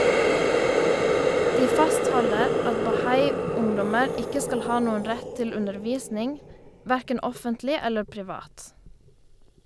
De fastholder at bahai- ungdommer ikke skal ha noen rett til undervisning, hverken offentlig eller privat.